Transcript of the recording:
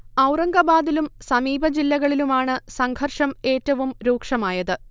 ഔറംഗാബാദിലും സമീപ ജില്ലകളിലുമാണ് സംഘർഷം ഏറ്റവും രൂക്ഷമായത്